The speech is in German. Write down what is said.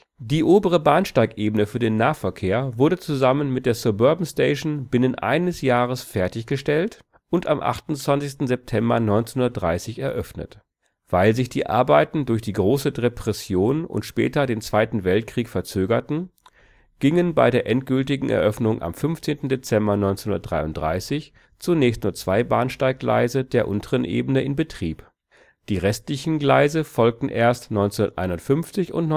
Die obere Bahnsteigebene für den Nahverkehr wurde zusammen mit der Suburban Station binnen eines Jahres fertiggestellt und am 28. September 1930 eröffnet. Weil sich die Arbeiten durch die Große Depression und später durch den Zweiten Weltkrieg verzögerten, gingen bei der endgültigen Eröffnung am 15. Dezember 1933 zunächst nur zwei Bahnsteiggleise der unteren Ebene in Betrieb. Die restlichen Gleise folgten erst 1951 und 1953